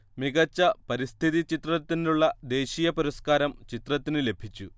മികച്ച പരിസ്ഥിതി ചിത്രത്തിനുള്ള ദേശീയപുരസ്കാരം ചിത്രത്തിനു ലഭിച്ചു